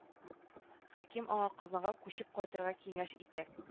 Хәким аңа казанга күчеп кайтырга киңәш итә